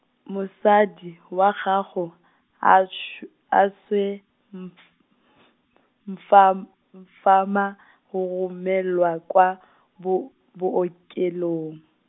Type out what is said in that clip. mosadi wa gago, a sw-, a swe, mf- , mfam-, mfama go romelwa kwa , bo-, bookelong.